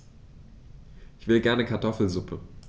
Ich will gerne Kartoffelsuppe.